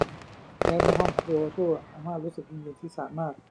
แก๊สในห้องครัวรั่วอาม่ารู้สึกวิงเวียนศีรษะมาก